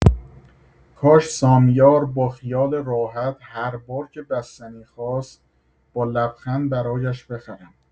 کاش سامیار با خیال راحت هر بار که بستنی خواست، با لبخند برایش بخرم.